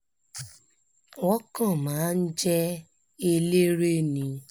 Wọ́n kàn máa ń jẹ́ eléré ni.